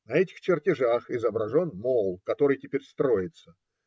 На этих чертежах изображен мол, который теперь строится.